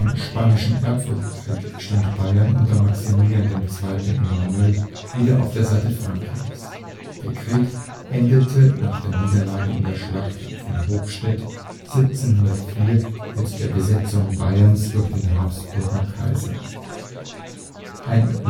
Spanischen Erbfolgekrieg stand Bayern unter Maximilian II. Emanuel wieder auf der Seite Frankreichs. Der Krieg endete nach der Niederlage in der Schlacht von Höchstädt 1704 mit der Besetzung Bayerns durch den habsburger Kaiser. Ein Landesdefensionskongress